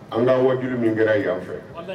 An ka waju min kɛra yan fɛ